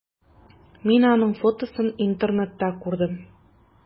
Мин аның фотосын интернетта күрдем.